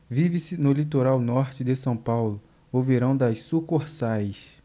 vive-se no litoral norte de são paulo o verão das sucursais